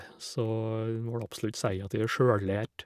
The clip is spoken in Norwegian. Så en må vel absolutt si at jeg er sjøllært.